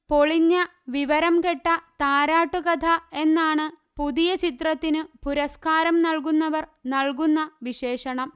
പൊളിഞ്ഞ വിവരം കെട്ട താരാട്ടു കഥ എന്നാണ് പുതിയ ചിത്രത്തിനു പുരസ്കാരം നല്കുന്നവർ നല്കുന്ന വിശേഷണം